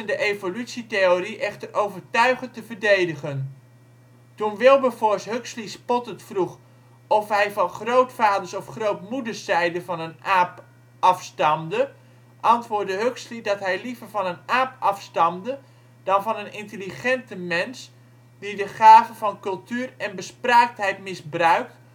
evolutietheorie echter overtuigend te verdedigen. Toen Wilberforce Huxley spottend vroeg of hij van grootvaders of grootmoeders zijde van een aap afstamde, antwoordde Huxley dat hij liever van een aap afstamde dan van een intelligente mens die de gaven van cultuur en bespraaktheid misbruikt